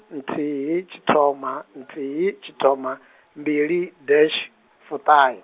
nthihi, tshithoma, nthihi, tshithoma, mbili dash, fuṱahe.